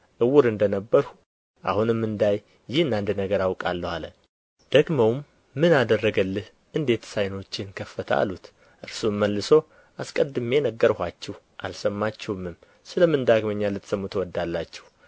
ዕውር እንደ ነበርሁ አሁንም እንዳይ ይህን አንድ ነገር አውቃለሁ አለ ደግመውም ምን አደረገልህ እንዴትስ ዓይኖችህን ከፈተ አሉት እርሱም መልሶ አስቀድሜ ነገርኋችሁ አልሰማችሁምም ስለ ምን ዳግመኛ ልትሰሙ ትወዳላችሁ